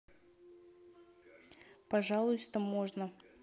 пожалуйста можно